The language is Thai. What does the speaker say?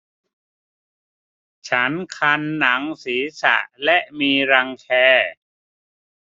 ฉันคันหนังศีรษะและมีรังแค